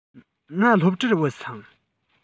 ང སློབ གྲྭར བུད སོང